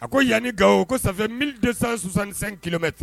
A ko yanani gawo o ko sanfɛ mi desa susan nisan kelenmɛ tɛ